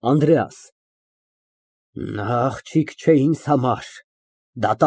Այնտեղ լուսո մի շերտ, թեք գծով անցնելով բեմով, ընկել է դաշնամուրի վրա, որի քով Մարգարիտը նստած նվագում է ինչ֊որ թախծալի եղանակ։